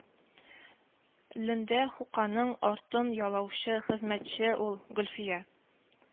Лендә хуќаның артын ялаучы хезмәтче ул, гөлфия